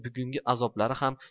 bugungi azoblari ham